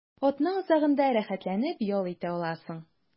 Атна азагында рәхәтләнеп ял итә аласың.